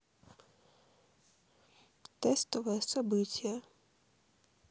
тестовое событие